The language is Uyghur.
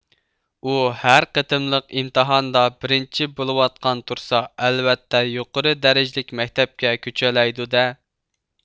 ئۇ ھەر قېتىملىق ئىمتىھاندا بىرىنچى بولۇۋاتقان تۇرسا ئەلۋەتتە يۇقىرى دەرىجىلىك مەكتەپكە كۆچەلەيدۇ دە